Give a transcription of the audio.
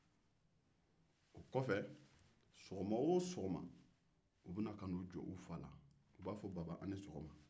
o kɔfɛ u bɛ n'u jɔ u fa la sɔgɔma o sɔgɔma u b'a fɔ baba i ni sɔgɔma